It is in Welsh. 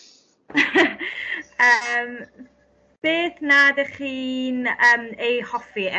yym beth na dychi'n yym ei hoffi yn yr